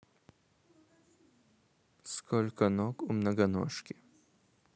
сколько ног у многоножки